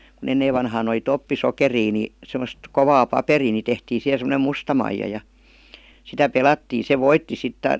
kun ennen vanhaan oli toppisokeria niin semmoista kovaa paperia niin tehtiin siihen semmoinen musta maija ja sitä pelattiin se voitti sitten -